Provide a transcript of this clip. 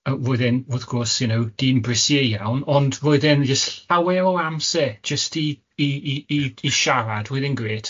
o- roedd e'n wrth gwrs you know, dyn brysu iawn, ond roedd e'n jyst llawer o amser jyst i i i i siarad, roedd e'n grêt.